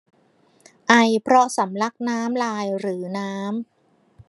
ไอเพราะสำลักน้ำลายหรือน้ำ